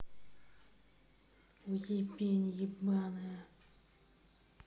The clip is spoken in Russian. уебень ебаная